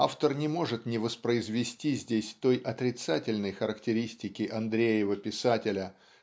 автор не может не воспроизвести здесь той отрицательной характеристики Андреева-писателя